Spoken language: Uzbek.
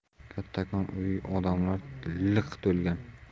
kattakon uy odamlar liq to'lgan